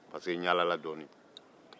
pariseke n yaalala dɔɔni